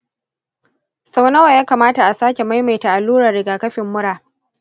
sau nawa ya kamata a sake maimaita allurar rigakafin mura?